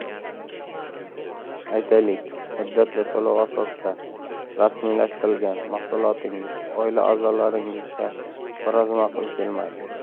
aytaylik muddatli to'lov asosida rasmiylashtirgan mahsulotingiz oila a'zolaringizga biroz ma'qul kelmadi